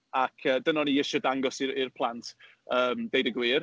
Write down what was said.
Ac yy, dyna o'n i isie dangos i'r i'r plant, yym, deud y gwir.